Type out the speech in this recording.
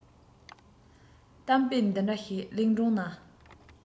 གཏམ དཔེ འདི འདྲ ཞིག གླིང སྒྲུང ན